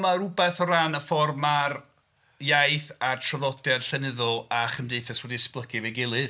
Ma' rywbeth o ran y ffor' ma'r iaith a'r traddodiad llenyddol a chymdeithas wedi esblygu efo'i gilydd.